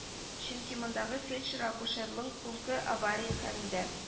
Чөнки мондагы фельдшер-акушерлык пункты авария хәлендә